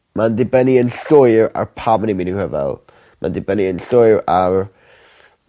Ma'n dibynnu yn llwyr ar pam 'yn ni'n myn' i rhyfel ma'n dibynnu yn llwyr ar